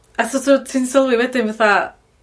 A so't o' ti'n sylwi wedyn fatha